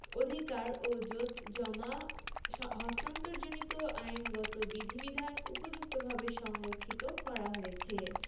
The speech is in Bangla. অধিকার ও জোতজমা হস্তান্তরজনিত আইনগত বিধিবিধান উপযুক্তভাবে সংরক্ষিত করা হয়েছে